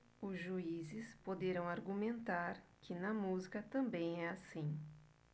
os juízes poderão argumentar que na música também é assim